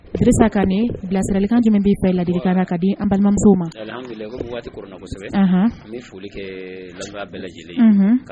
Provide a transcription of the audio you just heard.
Ka bilasiralikan jumɛn bɛ fɛ ladikara ka di an balimamuso ma foli lajɛlen